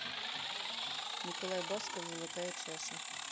николай басков золотая чаша